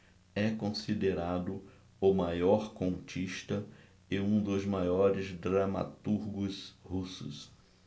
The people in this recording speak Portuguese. é considerado o maior contista e um dos maiores dramaturgos russos